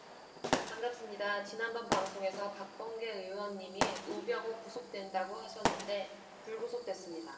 반갑습니다 지난번 방송에서 박범계 의원님이 우병우 구속된다고 하셨는데 불구속됐습니다